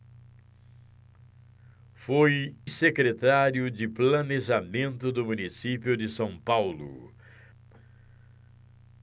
foi secretário de planejamento do município de são paulo